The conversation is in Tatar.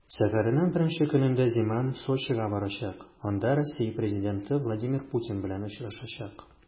Сәфәренең беренче көнендә Земан Сочига барачак, анда Россия президенты Владимир Путин белән очрашачак.